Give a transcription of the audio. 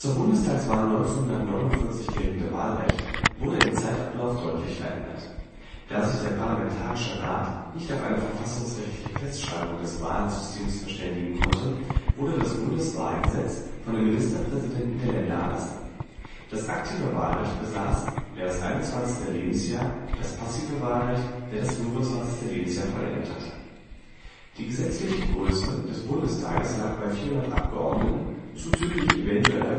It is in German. Bundestagswahl 1949 geltende Wahlrecht wurde im Zeitablauf deutlich verändert. Da sich der Parlamentarische Rat nicht auf eine verfassungsrechtliche Festschreibung des Wahlsystems verständigen konnte, wurde das Bundeswahlgesetz von den Ministerpräsidenten der Länder erlassen. Das aktive Wahlrecht besaß, wer das 21. Lebensjahr, das passive Wahlrecht, wer das 25. Lebensjahr vollendet hatte. Die gesetzliche Größe des Bundestages lag bei 400 Abgeordneten zuzüglich eventueller